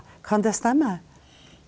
kan det stemme?